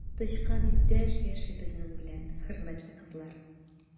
Тычкан иптәш яши безнең белән, хөрмәтле кызлар!